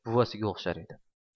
buvasiga o'xshar edi